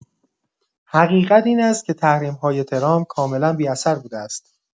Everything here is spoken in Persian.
حقیقت این است که تحریم‌های ترامپ کاملا بی‌اثر بوده است.